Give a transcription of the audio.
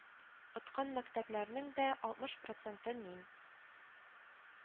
Откан мәктәпләрнең дә алтмыш проценты мин